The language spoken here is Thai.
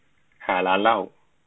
หาร้านเหล้า